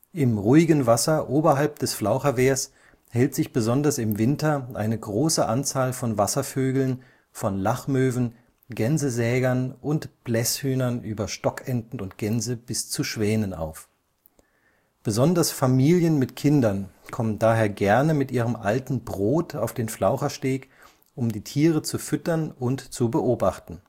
Im ruhigen Wasser oberhalb des Flaucherwehrs hält sich besonders im Winter eine große Anzahl von Wasservögeln von Lachmöwen, Gänsesägern und Blässhühnern über Stockenten und Gänse bis zu Schwänen auf. Besonders Familien mit Kindern kommen daher gerne mit ihrem alten Brot auf den Flauchersteg, um die Tiere zu füttern und zu beobachten